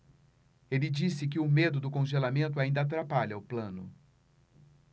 ele disse que o medo do congelamento ainda atrapalha o plano